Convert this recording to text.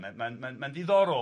Ma'n ma'n ma'n ma'n ddiddorol.